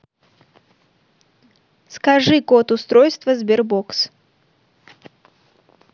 скажи код устройства sberbox